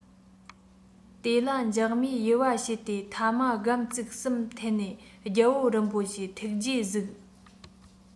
དེ ལ འཇག མས ཡུ བ བྱས ཏེ ཐ མ སྒམ ཙིག གསུམ འཐེན ནས རྒྱལ པོ རིན པོ ཆེ ཐུགས རྗེས གཟིགས